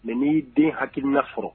N'i den hakiina fɔlɔ